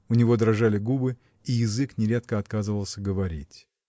У него дрожали губы, и язык нередко отказывался говорить.